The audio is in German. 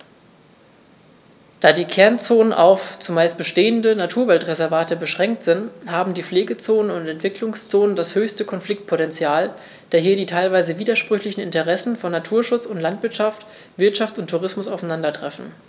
Da die Kernzonen auf – zumeist bestehende – Naturwaldreservate beschränkt sind, haben die Pflegezonen und Entwicklungszonen das höchste Konfliktpotential, da hier die teilweise widersprüchlichen Interessen von Naturschutz und Landwirtschaft, Wirtschaft und Tourismus aufeinandertreffen.